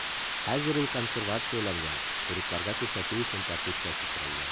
Хәзер ул консервацияләнгән, туристларга күрсәтү өчен тәртипкә китерелгән.